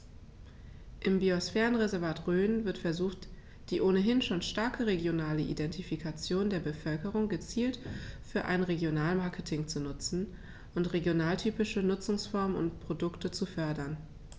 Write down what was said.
Im Biosphärenreservat Rhön wird versucht, die ohnehin schon starke regionale Identifikation der Bevölkerung gezielt für ein Regionalmarketing zu nutzen und regionaltypische Nutzungsformen und Produkte zu fördern.